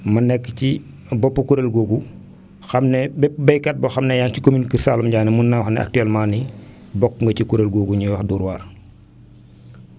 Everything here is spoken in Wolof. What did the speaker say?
ma nekk ci boppu kuréel googu xam ne bépp baykat boo xam ne yaa ngi commune Kër Saalum Diané mën naa wax ne actuellement nii bokk nga si kuréel googu ñuy wax Dóor waar